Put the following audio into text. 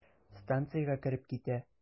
Станциягә кереп китә.